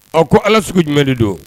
A ko ala sugu jumɛn de don